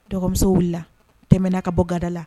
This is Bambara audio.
Dɔgɔmusow wulila tɛmɛna ka bɔ gada la